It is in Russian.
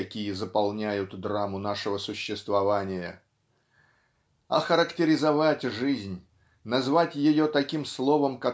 какие заполняют драму нашего существования. Охарактеризовать жизнь назвать ее таким словом